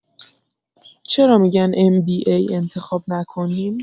چرا می‌گن MBA انتخاب نکنیم؟